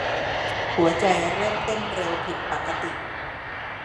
หัวใจเริ่มเต้นเร็วผิดปกติ